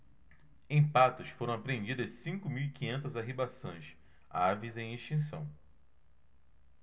em patos foram apreendidas cinco mil e quinhentas arribaçãs aves em extinção